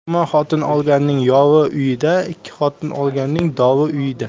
yomon xotin olganning yovi uyida ikki xotin olganning dovi uyida